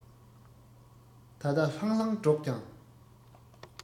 ད ལྟ ལྷང ལྷང སྒྲོག ཀྱང